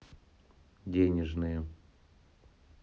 денежные